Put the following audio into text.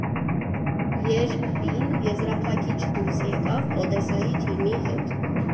ԵրՊԻ֊ն եզրափակիչ դուրս եկավ Օդեսայի թիմի հետ։